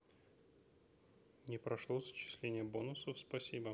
не прошло зачисление бонусов спасибо